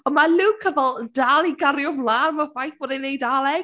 Ond mae Luca fel, dal i gario 'mlaen am y ffaith bod e’n Eidaleg...